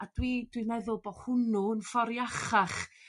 a dwi dw i'n meddwl bo' hwnnw yn ffor iachach